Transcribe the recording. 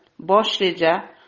bosh reja